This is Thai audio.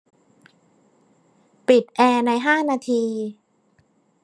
ปิดแอร์ในห้านาที